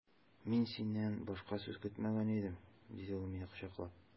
Мин синнән башка сүз көтмәгән идем, диде ул мине кочаклап.